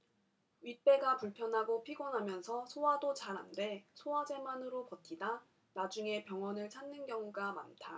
윗배가 불편하고 피곤하면서 소화도 잘 안 돼 소화제만으로 버티다 나중에 병원을 찾는 경우가 많다